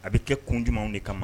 A bɛ kɛ kun jumɛnmanw de kama ma